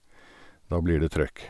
Da blir det trøkk.